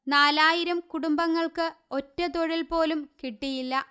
നാലായിരം കുടുംബങ്ങള്ക്ക് ഒറ്റ തൊഴില് പോലും കിട്ടിയില്ല